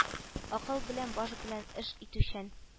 Акыл белән баш белән эш итүчән